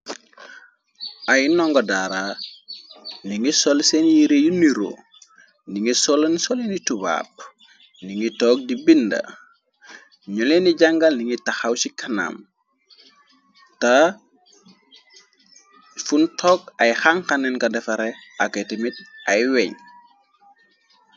Aye ndongo daara nuge sol sen yireyu niro nuge soolani soleni tubaab nuge toog di binda ñu leen ni jàngal ningi taxaw ci khanaam ta fun toog ay xanxaneen ku defare akitemit ay weah.